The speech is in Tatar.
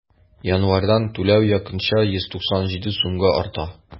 Январьдан түләү якынча 197 сумга арта.